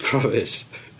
Promise.